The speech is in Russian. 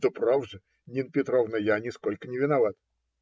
- Да право же, Нина Петровна, я нисколько не виноват!